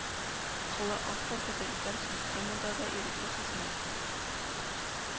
Кылы автор тоталитар системада да ирекле хезмәт